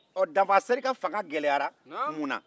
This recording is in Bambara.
ɔ danfasɛri ka fanga gɛlɛyara munna